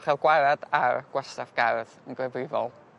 ca'l gwared ar gwastraff gardd yn gyfrifol.